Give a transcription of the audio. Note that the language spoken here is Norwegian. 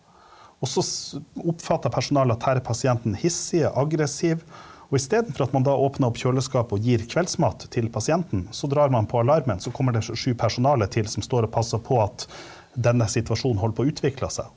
også oppfatter personalet at her er pasienten hissig og aggressiv, og istedenfor at man da åpner opp kjøleskapet og gir kveldsmat til pasienten, så drar man på alarmen, så kommer det sju personaler til som står og passer på at denne situasjonen holder på å utvikle seg.